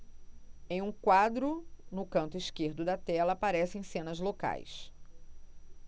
em um quadro no canto esquerdo da tela aparecem cenas locais